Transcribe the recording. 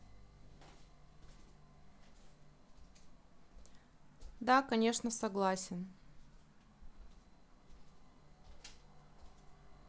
да конечно согласен